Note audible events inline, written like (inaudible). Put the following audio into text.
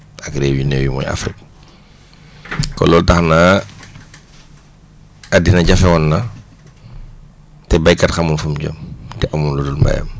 ak réew yu néew yi mooy Afrique (noise) kon loolu tax na (noise) àddina jage woon na te béykat xamul fu mu jëm te amul lu dul mbéyam